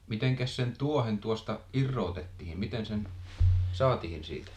mitenkäs sen tuohen tuosta irrotettiin miten se saatiin siitä